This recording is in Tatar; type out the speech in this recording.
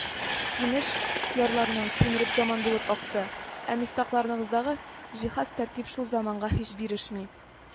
Инеш, ярларны кимереп, заман булып акты, ә Мифтахлардагы җиһаз-тәртип шул заманга һич бирешми